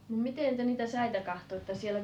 niin miten te niitä säitä katsoitte siellä